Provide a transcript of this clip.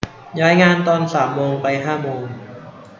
ย้ายงานตอนสามโมงไปห้าโมง